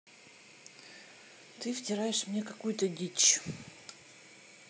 ты втираешь мне какую то дичь